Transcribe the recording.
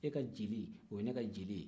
e ka jeli o ye ne ka jeli ye